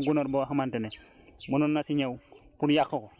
mais nu ñu koy weeree nii mu mu mu ow ci naaj bi nii nii boo ko defee nii bépp gunóor boo xamante ne mënoon na si ñëw pour yàq ko